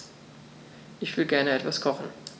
Ich will gerne etwas kochen.